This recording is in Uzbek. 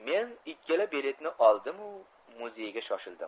men ikkala biletni oldimu muzeyga shoshildim